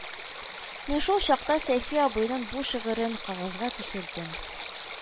Мин шул чакта Сәйфи абыйның бу шигырын кәгазьгә төшердем